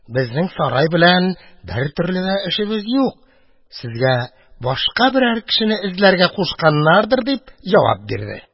Безнең сарай белән бертөрле дә эшебез юк, сезгә башка берәр кешене эзләргә кушканнардыр, – дип җавап бирде.